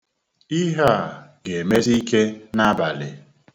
Ihe a ga-emesi ike n'abalị